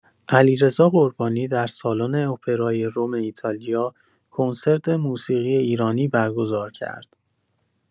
علیرضا قربانی در سالن اپرای رم ایتالیا کنسرت موسیقی ایرانی برگزار کرد.